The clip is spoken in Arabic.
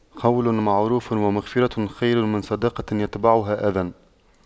قَولٌ مَّعرُوفٌ وَمَغفِرَةُ خَيرٌ مِّن صَدَقَةٍ يَتبَعُهَا أَذًى